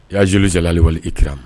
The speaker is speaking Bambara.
I y'azeliwale i t ma